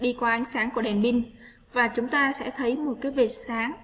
đi qua ánh sáng của đèn pin và chúng ta sẽ thấy một cái buổi sáng